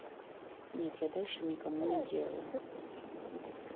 нет я дальше не никому не делаю